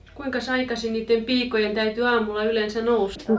kuinkas aikaisin niiden piikojen täytyi aamulla yleensä nousta